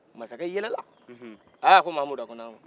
masakɛ yɛlɛla ahh a ko mamudu